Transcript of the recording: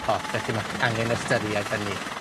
porth felly ma' chi angen ystyried hynny.